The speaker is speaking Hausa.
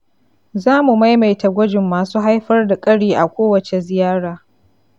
za mu maimaita gwajin masu haifar da ƙari a kowace ziyara.